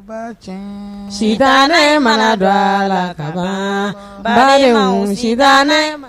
Sisan ne mana dɔgɔ la ka ba